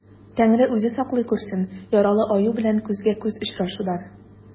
Тәңре үзе саклый күрсен яралы аю белән күзгә-күз очрашудан.